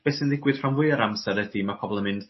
be' sy'n ddigwydd rhan fwya o'r amser ydi ma' pobol yn mynd